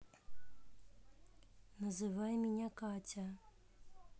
называй меня катя